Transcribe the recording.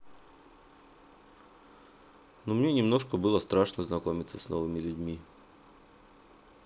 ну мне немножко было страшно знакомиться с новыми людьми